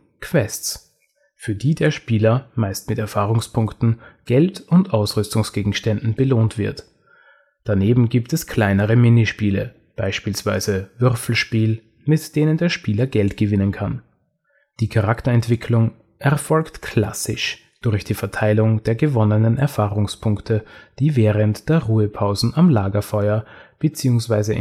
Quests), für die der Spieler meist mit Erfahrungspunkten, Geld und Ausrüstungsgegenständen belohnt wird. Daneben gibt es kleinere Minispiele, bspw. Würfelspiel, mit denen der Spieler Geld gewinnen kann. Die Charakterentwicklung erfolgt klassisch durch die Verteilung der gewonnenen Erfahrungspunkte, die während der Ruhepausen am Lagerfeuer bzw.